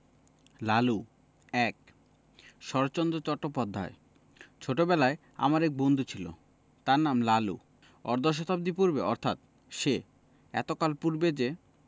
লালু ১ শরৎচন্দ্র চট্টোপধ্যায় ছেলেবেলায় আমার এক বন্ধু ছিল তার নাম লালু অর্ধ শতাব্দী পূর্বে অর্থাৎ সে এতকাল পূর্বে যে